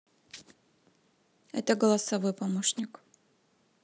это голосовой помощник